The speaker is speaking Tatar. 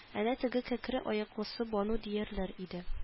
Әнә теге кәкре аяклысы бану диярләр иде